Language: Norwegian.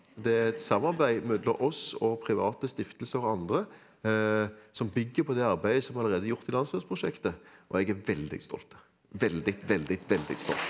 det er et samarbeid mellom oss og private stiftelser og andre som bygger på det arbeidet som allerede er gjort i Landslovsprosjektet og jeg er veldig stolt veldig veldig veldig stolt.